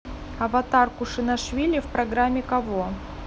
аватар кушанашвили в программе какого